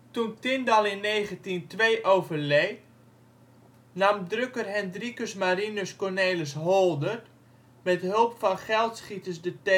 Toen Tindal in 1902 overleed, nam drukker Hendrikus Marinus Cornelis Holdert met hulp van geldschieters De Telegraaf per 12